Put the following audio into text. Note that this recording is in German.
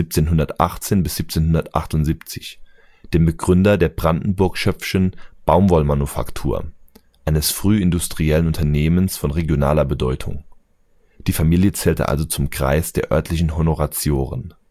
1718 - 1778), dem Begründer der Brandenburg-Schöpfschen Baumwollmanufaktur, eines frühindustriellen Unternehmens von regionaler Bedeutung. Die Familie zählte also zum Kreis der örtlichen Honoratioren